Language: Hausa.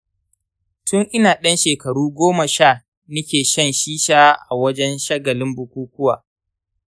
tun ina ɗan shekaru goma sha nike shan shisha a wajen shagalin bukukuwa